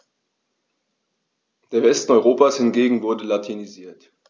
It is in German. Der Westen Europas hingegen wurde latinisiert.